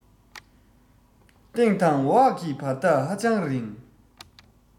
སྟེང དང འོག གི བར ཐག ཧ ཅང རིང